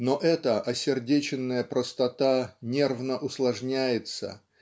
Но эта осердеченная простота нервно усложняется